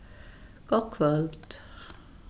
gott kvøld